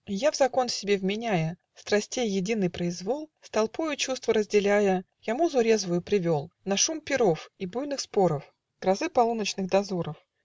И я, в закон себе вменяя Страстей единый произвол, С толпою чувства разделяя, Я музу резвую привел На шум пиров и буйных споров, Грозы полуночных дозоров